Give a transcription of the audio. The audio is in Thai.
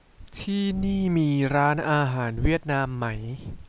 ที่นี่มีร้านอาหารเวียดนามไหม